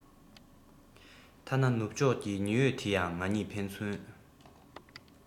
ཐ ན ནུབ ཕྱོག ཀྱི ཉི འོད འདི ཡང ང གཉིས ཕན ཚུན